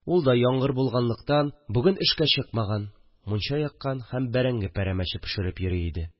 Ул да, яңгыр булганлыктан, бүген эшкә чыкмаган, мунча яккан һәм бәрәңге пәрәмәче пешереп йөри иде